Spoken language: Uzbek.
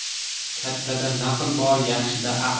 kattada naql bor yaxshida aql